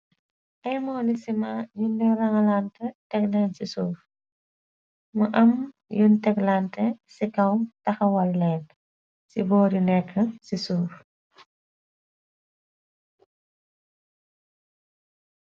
Ay mouli sima yuñ rangalant teglen ci suuf. Mu am yun teg lant ci kaw taxawal leen , ci boor yu nekk ci suuf.